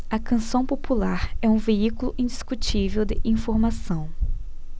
a canção popular é um veículo indiscutível de informação